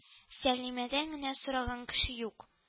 Сәлимәдән генә сораган кеше юк